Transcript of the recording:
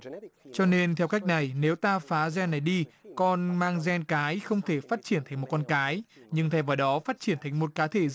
cho nên theo cách này nếu ta phá gen này đi con mang gen cái không thể phát triển thành một con cái nhưng thay vào đó phát triển thành một cá thể